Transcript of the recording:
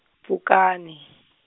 Pfukani.